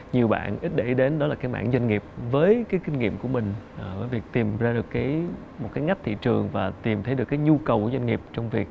nhiều bạn ít để đến đó là cái mảng doanh nghiệp với cái kinh nghiệm của mình ở việc tìm ra được cái một cái ngách thị trường và tìm thấy được cái nhu cầu của doanh nghiệp trong việc